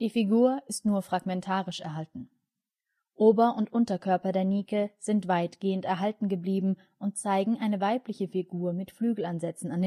Figur ist nur fragmentarisch erhalten. Ober - und Unterkörper der Nike sind weitestgehend erhalten geblieben und zeigen eine weibliche Figur mit Flügelansätzen